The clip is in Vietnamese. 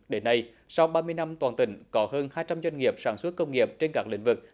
đến nay sau ba mươi năm toàn tỉnh có hơn hai trăm doanh nghiệp sản xuất công nghiệp trên các lĩnh vực